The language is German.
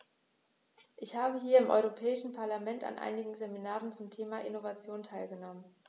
Ich habe hier im Europäischen Parlament an einigen Seminaren zum Thema "Innovation" teilgenommen.